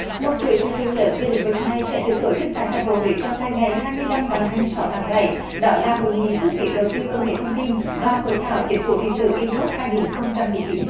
một chuỗi sự kiện lớn về lĩnh vực này sẽ được tổ chức tại thành phố huế trong hai ngày hai mươi lăm và hai mươi sáu tháng bảy đó là hội nghị xúc tiến đầu tư công nghệ thông tin và hội thảo chính phủ điện tử i gốp hai nghìn không trăm mười chín